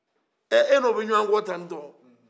ɛ e ni o bɛ ɲɔgɔ kɔ ta ni tɔ